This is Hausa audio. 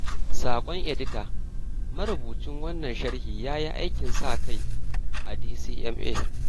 Saƙon Edita: Marubucin wannan sharhi ya yi aikin sa kai a DCMA.